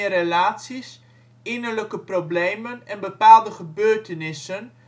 relaties, innerlijke problemen en bepaalde gebeurtenissen